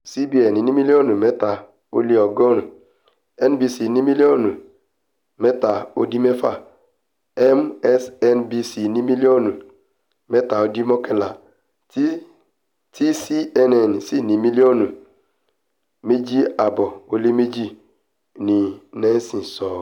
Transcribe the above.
CBS ní mílíọ̀nù 3.1, NBC ní mílíọ̀nù 2.94, MSNBC ní mílíọ̀nù 2.89 tí CNN sì ní mílíọ̀nù 2.52, ni Nielsen sọ.